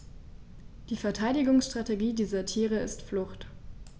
Die Verteidigungsstrategie dieser Tiere ist Flucht.